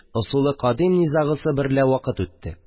Ысулы кадим низагысы берлә вакыт үтте